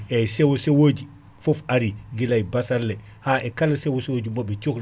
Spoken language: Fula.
eyyi sewo sewoji foof ari guilay bassalle ha e kala sewo sewoji maɓe cohli